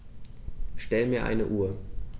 Stell mir eine Uhr.